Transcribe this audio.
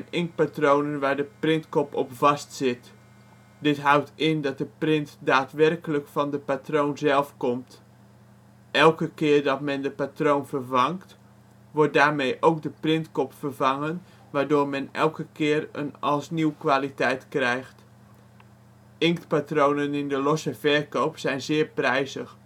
Inktpatronen waar de printkop op vast zit. Dit houdt in dat de print daadwerkelijk van het patroon zelf komt. Elke keer dat men het patroon vervangt, wordt daarmee ook de printkop vervangen waardoor men elke keer een " als nieuw " kwaliteit krijgt. Inktpatronen in de losse verkoop zijn zeer prijzig